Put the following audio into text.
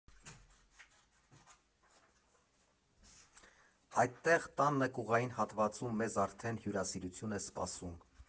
Այդտեղ՝ տան նկուղային հատվածում, մեզ արդեն հյուրասիրություն է սպասում։